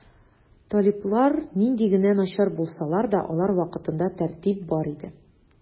Талиблар нинди генә начар булсалар да, алар вакытында тәртип бар иде.